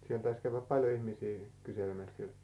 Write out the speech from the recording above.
siellä taisi käydä paljon ihmisiä kyselemässä sieltä